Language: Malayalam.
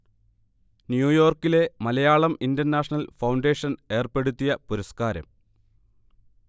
ന്യൂയോർക്കിലെ മലയാളം ഇന്റർനാഷണൽ ഫൗണ്ടേഷൻ ഏർപ്പെടുത്തിയ പുരസ്കാരം